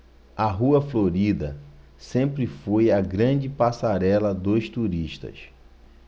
a rua florida sempre foi a grande passarela dos turistas